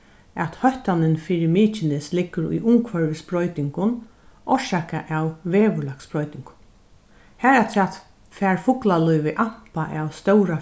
at hóttanin fyri mykines liggur í umhvørvisbroytingum orsakað av veðurlagsbroytingum harafturat fær fuglalívið ampa av stóra